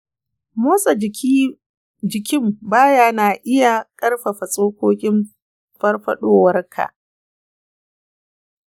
motsa jikin baya na iya ƙarfafa tsokokin farfadowarka.